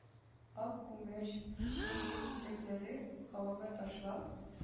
Ак күмәч, печение кисәкләре һавага ташлап,